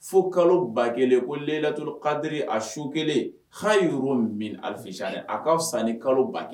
Fo kalo ba kelen ko laturu kadiri a su kelen ha min bɛ alifi a ka san kalo ba kelen